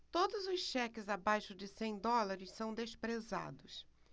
todos os cheques abaixo de cem dólares são desprezados